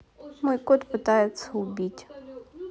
мой кот пытается убить